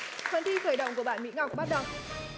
phần thi khởi động của bạn mỹ ngọc bắt đầu